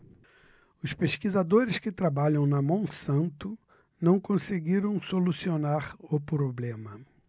os pesquisadores que trabalham na monsanto não conseguiram solucionar o problema